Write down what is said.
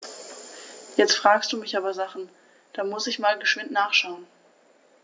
Jetzt fragst du mich aber Sachen. Da muss ich mal geschwind nachschauen.